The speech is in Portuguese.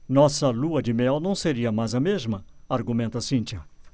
nossa lua-de-mel não seria mais a mesma argumenta cíntia